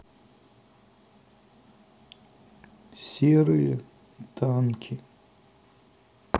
серые танки